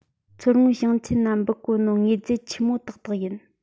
མཚོ སྔོན ཞིང ཆེན ན འབུད གོ ནོ དངོས རྫས ཆི མོ དག དག ཡིན